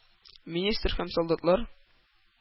Министр һәм солдатлар: